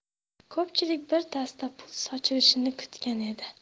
ko'pchilik bir dasta pul sochilishini kutgan edi